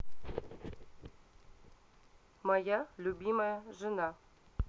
моя любимая жена